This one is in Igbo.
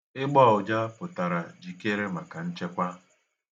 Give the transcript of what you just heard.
Ịgbọ ụja pụtara jikere maka nchekwa.